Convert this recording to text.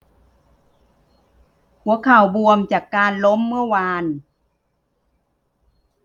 หัวเข่าบวมจากการล้มเมื่อวาน